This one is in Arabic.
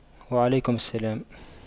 وعليكم السلام